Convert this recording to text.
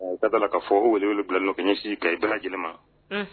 U ka da k ka fɔ weelew bila la' si k ka i da yɛlɛma ma